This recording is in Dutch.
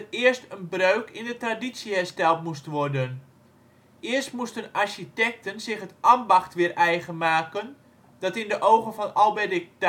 eerst een breuk in de traditie hersteld moest worden. Eerst moesten architecten zich het ambacht weer eigen maken dat in de ogen van Alberdingk